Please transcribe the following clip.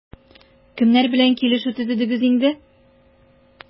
Кемнәр белән килешү төзедегез инде?